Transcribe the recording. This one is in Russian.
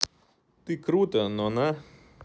ты крут но на